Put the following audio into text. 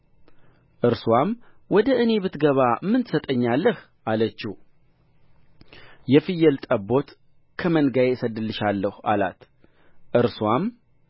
እርስዋም ወደኔ ብትገባ ምን ትሰጠኛለህ አለችው የፍየል ጠቦት ከመንጋዬ እሰድድልሻለሁ አላት እርስዋም